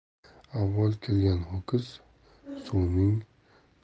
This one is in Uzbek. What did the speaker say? avval kelgan ho'kiz